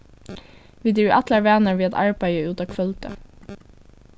vit eru allar vanar við at arbeiða út á kvøldið